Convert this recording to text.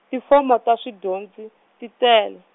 tifomo ta swidyondzi, ti tele.